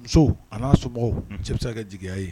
Musow an'a somɔgɔw unhun cɛ bɛ se ka kɛ jigiya ye